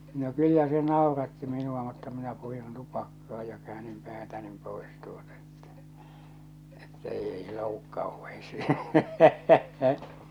no kyllä se nauratti minua mutta minä purin tupakkaa ja käänsin päätäni pois tuota että että ei joudu kauheisiin